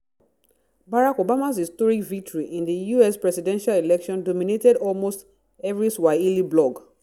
Barack Obama's historic victory in the US Presidential election dominated almost every Swahili blog.